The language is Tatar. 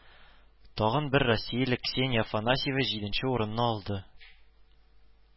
Тагын бер россияле Ксения Афанасьева җиденче урынны алды